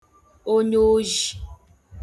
onyeozhī